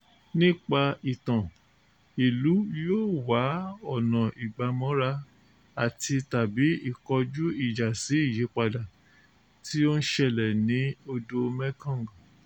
Nípasẹ̀ẹ ìtàn, ìlú yóò wá ọ̀nà ìgbàmọ́ra àti/tàbí ìkọjú-ìjà sí ìyípadà tí ó ń ṣẹlẹ̀ ní odò Mekong.